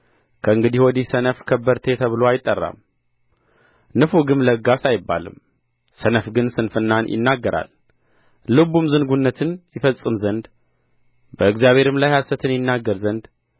ከእንግዲህ ወዲህ ሰነፍ ከበርቴ ተብሎ አይጠራም ንፉግም ለጋስ አይባልም ሰነፍ ግን ስንፍናን ይናገራል ልቡም ዝንጉነትን ይፈጽም ዘንድ በእግዚአብሔርም ላይ ስሕተትን ይናገር ዘንድ